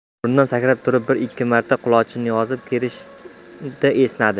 o'rnidan sakrab turib bir ikki marta qulochini yozib kerishdi esnadi